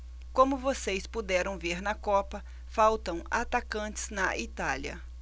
como vocês puderam ver na copa faltam atacantes na itália